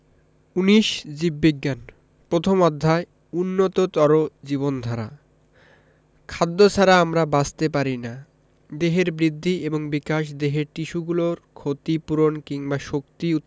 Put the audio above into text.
১৯ জীববিজ্ঞান প্রথম অধ্যায় উন্নততর জীবনধারা খাদ্য ছাড়া আমরা বাঁচতে পারি না দেহের বৃদ্ধি এবং বিকাশ দেহের টিস্যুগুলোর ক্ষতি পূরণ কিংবা শক্তি